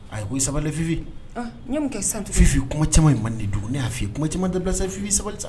Aa ko i sabali dɛ Fifi; An n ye mun kɛ sisan tugu; Fifi, kuma caaman in man di ne ye tugu, ne y'a f'i kuma caaman dabila sa, Fifi sabali sa.